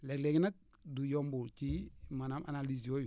léeg léegi nag du yomb ci maanaam analyses yooyu